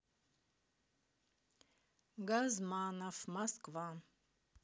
газманов москва